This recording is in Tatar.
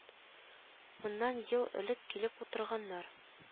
Моннан ел элек килеп утырганнар